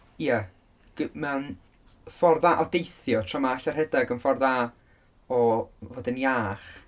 Ie, g- mae'n ffordd dda o deithio tra mae ella rhedeg yn ffordd dda o fod yn iach.